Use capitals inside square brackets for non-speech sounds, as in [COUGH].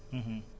[HESITATION] [HESITATION]